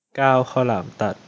เก้าข้าวหลามตัด